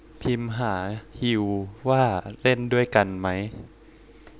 พิมหาฮิวว่าเล่นด้วยกันไหม